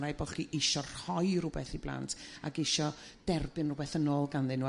Ma rai' bo' chi isio rhoi r'wbeth i blant ag isio derbyn r'wbeth yn ôl ganddyn nhw.